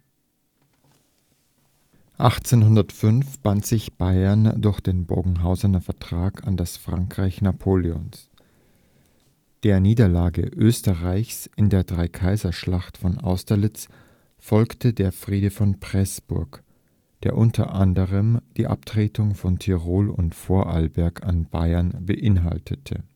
1805 band sich Bayern durch den Bogenhausener Vertrag an das Frankreich Napoleons. Der Niederlage Österreichs in der Dreikaiserschlacht von Austerlitz folgte der Friede von Pressburg, der u. a. die Abtretung von Tirol und Vorarlberg an Bayern beinhaltete